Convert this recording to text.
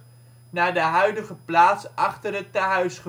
naar de huidige plaats achter het tehuis gebracht